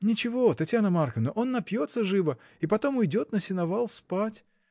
— Ничего, Татьяна Марковна, он напьется живо и потом уйдет на сеновал спать.